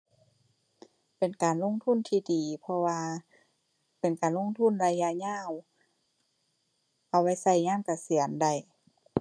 เป็นการลงทุนที่ดี เพราะว่าเป็นการลงทุนระยะยาว เอาไว้ใช้ยามเกษียณได้